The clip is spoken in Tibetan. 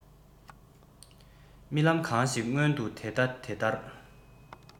རྨི ལམ གང ཞིག མངོན དུ དེ ལྟ དེ ལྟར